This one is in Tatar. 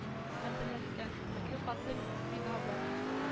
Хәтерләткән ике катлы бина бар